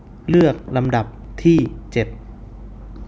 เลือกลำดับที่เจ็ด